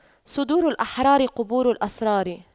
صدور الأحرار قبور الأسرار